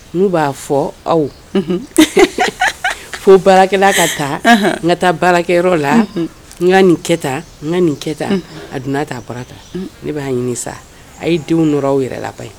N' b'a fɔ aw fo baarakɛlala ka taa n ka taa baarakɛyɔrɔ la n ka nin kɛ n ka nin kɛ tan a donna' barata ne'a ɲinin sa a ye denw dɔ aw yɛrɛ la ba ye